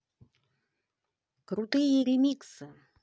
крутые ремиксы